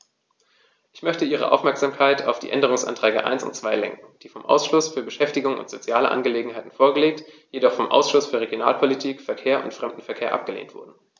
Ich möchte Ihre Aufmerksamkeit auf die Änderungsanträge 1 und 2 lenken, die vom Ausschuss für Beschäftigung und soziale Angelegenheiten vorgelegt, jedoch vom Ausschuss für Regionalpolitik, Verkehr und Fremdenverkehr abgelehnt wurden.